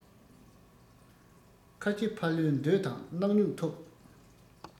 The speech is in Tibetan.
ཁ ཆེ ཕ ལུའི འདོད དང སྣག སྨྱུག ཐུག